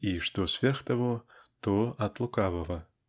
а что сверх того -- то от лукавого.